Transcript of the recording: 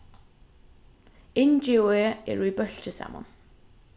ingi og eg eru í bólki saman